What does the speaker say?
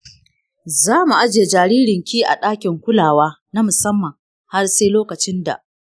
za mu ajiye jaririnki a ɗakin kulawa na musamman har sai lokacin da